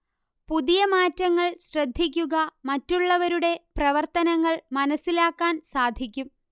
പുതിയ മാറ്റങ്ങൾ ശ്രദ്ധിക്കുക മറ്റുള്ളവരുടെ പ്രവർത്തനങ്ങൾ മനസിലാക്കാൻ സാധിക്കും